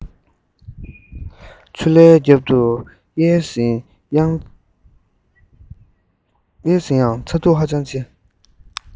ཆུ ལྷའི རྒྱབ ཏུ ཡལ ཟིན ཡང ཚ གདུག ཧ ཅང ཆེ